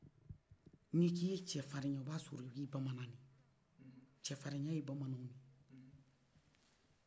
n'iko i ye cɛfari o y'a sɔrɔ i bi bamanan la cɛ fari ya ye bamanan ne ye